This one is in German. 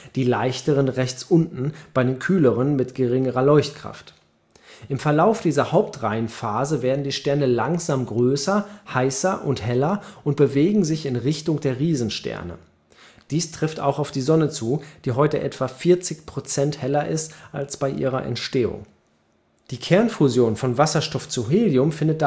die leichteren rechts unten bei den kühleren mit geringerer Leuchtkraft. Im Verlauf dieser Hauptreihenphase werden die Sterne langsam größer, heißer und heller und bewegen sich in Richtung der Riesensterne. Dies trifft auch auf die Sonne zu, die heute etwa 40 Prozent heller ist als bei ihrer Entstehung. Die Kernfusion von Wasserstoff zu Helium findet